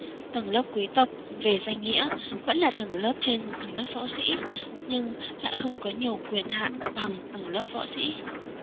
tầng lớp quý tộc về danh nghĩa vẫn là tầng lớp trên tầng lớp võ sĩ nhưng lại không có nhiều quyền hạn bằng tầng lớp võ sĩ